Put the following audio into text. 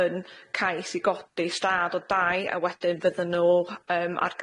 yn cais i godi stad o dai a wedyn fydden nhw yym ar